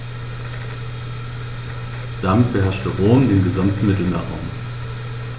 Damit beherrschte Rom den gesamten Mittelmeerraum.